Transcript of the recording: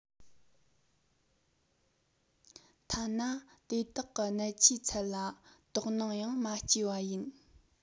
ཐ ན དེ དག གི གནད ཆེའི ཚད ལ དོགས སྣང ཡང མ སྐྱེས པ ཡིན